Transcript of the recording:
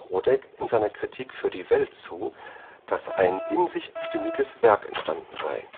in seiner Kritik für die Welt zu, dass ein in sich stimmiges Werk entstanden sei